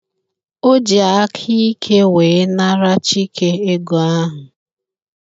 O ji aka Ike wee nara Chike ego ahụ